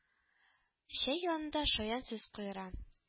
Чәй янында шаян сүз куера